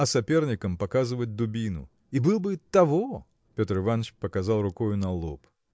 а соперникам показывать дубину – и был бы того. Петр Иваныч показал рукою на лоб.